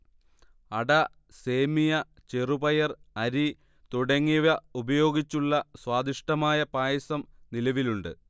അട, സേമിയ, ചെറുപയർ, അരി തുടങ്ങിയവ ഉപയോഗിച്ചുള്ള സ്വാദിഷ്ഠമായ പായസം നിലവിലുണ്ട്